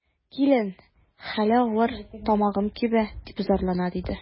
Килен: хәле авыр, тамагым кибә, дип зарлана, диде.